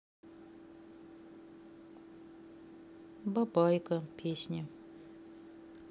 бабайка песня